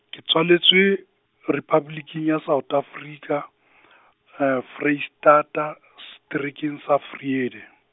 ke tswaletswe, Rephaboliking ya South Afrika, Foreisetata, seterekeng sa Vrede.